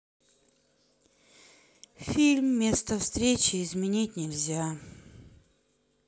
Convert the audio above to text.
фильм место встречи изменить нельзя